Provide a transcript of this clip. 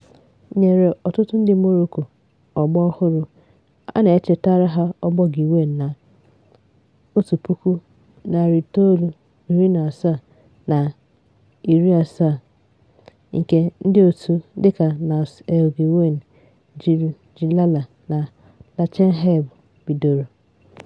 Nyere ọtụtụ ndị Morocco, ọgbọ ọhụrụ a na-echetara ha ọgbọ Ghiwane na 1970s na 80s, nke ndịòtù dịka Nass El Ghiwane, Jil Jilala na Lemchaheb bidoro.